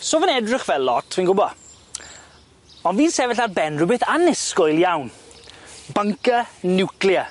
So fe'n edrych fel lot, fi'n gwbo on' fi'n sefyll ar ben rwbeth annisgwyl iawn. Bunker nuclear.